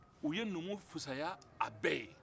u ye numu kusaya a bɛɛ ye